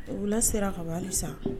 O wula sera kaban sa